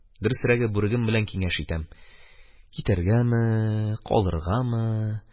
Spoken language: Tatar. Дөресрәге, бүрегем белән киңәш итәм: китәргәме, калыргамы?